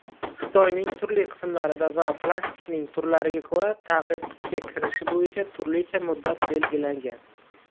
xitoyning turli qismlarida va plastikning turlariga ko'ra taqiq kuchga kirishi bo'yicha turlicha muddat belgilangan